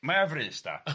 mae ar frys da.